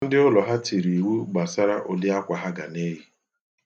Ndị ụlọ ha tiri iwu gbasara ụdị akwa ha ga na-eyi